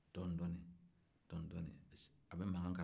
dɔɔnin-dɔɔnin dɔɔnin-dɔɔnin a bɛ mankan k'a la